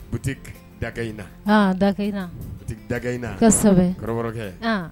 U tɛ daga in na in tɛ daga in kakɛ